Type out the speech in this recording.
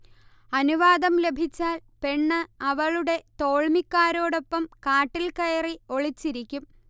അനുവാദം ലഭിച്ചാൽ പെണ്ണ് അവളുടെ തോൾമിക്കാരോടൊപ്പം കാട്ടിൽകയറി ഒളിച്ചിരിക്കും